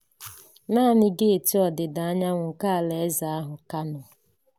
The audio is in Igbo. Naanị geeti ọdịda anyanwụ nke ala eze ahụ ka nọ.